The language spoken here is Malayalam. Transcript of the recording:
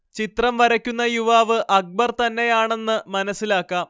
ചിത്രം വരയ്ക്കുന്ന യുവാവ് അക്ബർ തന്നെയാണെന്ന് മനസ്സിലാക്കാം